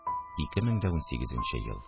2018 ел